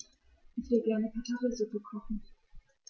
Ich will gerne Kartoffelsuppe kochen.